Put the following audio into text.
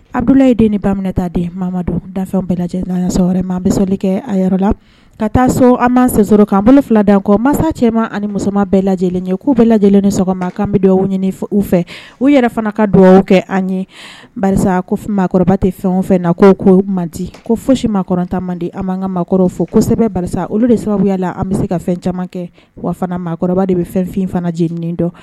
Abula ye den ni bata den ma da bɛɛ lajɛ lajɛlen ya wɛrɛ an bɛsali kɛ a yɛrɛ la ka taa so an ma sen sɔrɔ'an bolo fila dan kɔ mansa cɛman ani musoman bɛɛ lajɛ lajɛlen ye k'u bɛɛ lajɛ lajɛlen ni sɔgɔma an bɛ dugawu ɲini u fɛ u yɛrɛ fana ka dugawu kɛ an ye kokɔrɔba tɛ fɛn o fɛ na ko ko mandi ko foyi si maaɔrɔnta man di an' anan ka maakɔrɔbaw fo kosɛbɛ olu de sababuya la an bɛ se ka fɛn caman kɛ wa fanakɔrɔba de bɛ fɛnfin fana jelieninen dɔn